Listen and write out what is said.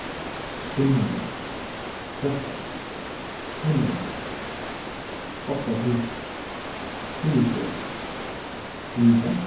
fimm hundrað trettan fimmoghálvtrýss átta túsund trýogtretivu fýra